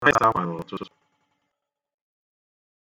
Ha anaghị asa akwa n'ụtụtụ.